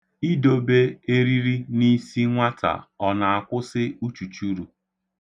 Idobe eriri n'isi nwata, ọ na-akwụsị uchuchuru?